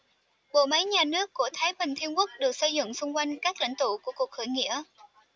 bộ máy nhà nước của thái bình thiên quốc được xây dựng xung quanh các lãnh tụ của cuộc khởi nghĩa